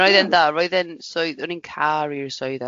A roedd e'n dda roedd e'n swydd o'n i'n caru'r swydd yna.